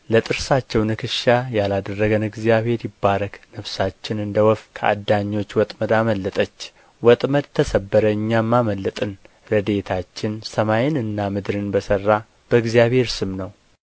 ለጥርሳቸው ንክሻ ያላደረገን እግዚአብሔር ይባረክ ነፍሳችን እንደ ወፍ ከአዳኞች ወጥመድ አመለጠች ወጥመድ ተሰበረ እኛም አመለጥን ረድኤታችን ሰማይንና ምድርን በሠራ በእግዚአብሔር ስም ነው